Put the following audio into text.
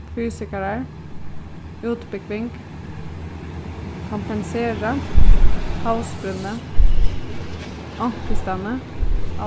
fysikarar útbúgving kompensera havsbrúnni onkustaðni